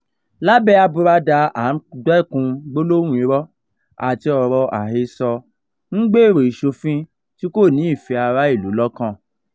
Lábẹ́ àbùradà à ń dẹ́kun gbólóhùn irọ́ àti ọ̀rọ̀ àhesọ, ń gbèrò ìṣòfin tí kò ní ìfẹ́ ará ìlú lọ́kàn.